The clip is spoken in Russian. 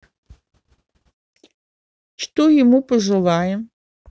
что ему пожелаем